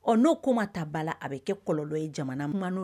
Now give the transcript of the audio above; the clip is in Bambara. Ɔ n'o ko ma ta bala a bɛ kɛ kɔlɔlɔ ye jamana ma kuma n'o